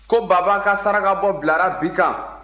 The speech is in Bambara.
ko baba ka sarakabɔ bilara bi kan